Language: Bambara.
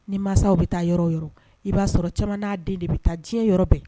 Ni mansaw bɛ taa yɔrɔ yɔrɔ i b'a sɔrɔ cɛman den de bɛ taa diɲɛ yɔrɔ bɛɛ